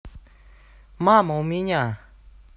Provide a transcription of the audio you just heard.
мама у меня